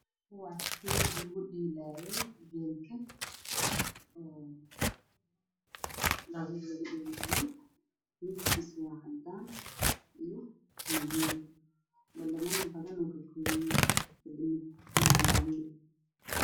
Waa kii lugu dheelaayey oo laaduu lugu dhelayay midabkiisu waa cadaan iyo madow badhama badan ayuu ka kooban yahay oo madow ah.